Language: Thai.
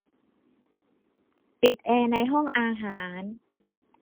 ปิดแอร์ในห้องอาหาร